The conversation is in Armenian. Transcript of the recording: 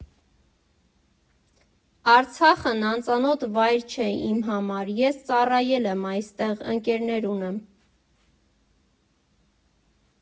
Արցախն անծանոթ վայր չէր իմ համար, ես ծառայել եմ այստեղ, ընկերներ ունեմ։